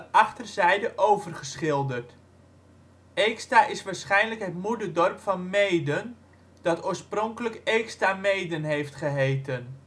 achterzijde overgeschilderd. Eexta is waarschijnlijk het moederdorp van Meeden dat oorspronkelijk Eextameeden heeft geheten